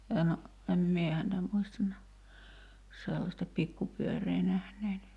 en en minä häntä muista - sellaista pikkupyörää nähneeni